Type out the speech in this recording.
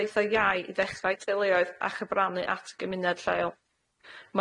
leithoedd iau i ddechrau teuluoedd a chyfrannu at gymuned lleol.